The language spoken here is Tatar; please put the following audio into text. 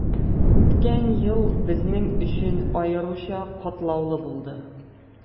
Үткән ел безнең өчен аеруча катлаулы булды.